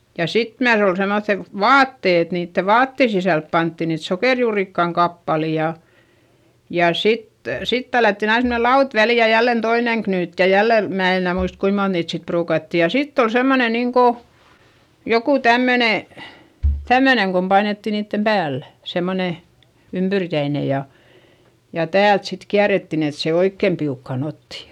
ja sitten myös oli semmoiset vaatteet että niiden vaatteiden sisälle pantiin niitä sokerijuurikkaan kappaleita ja ja sitten sitten tällättiin aina semmoinen lauta väliin ja jälleen toinen knyytti ja jälleen minä en enää muista kuinka monta niitä sitten ruukattiin ja sitten oli semmoinen niin kuin joku tämmöinen tämmöinen kun painettiin niiden päällä semmoinen ympyrkäinen ja ja täältä sitten kierrettiin että se oikein piukkaan otti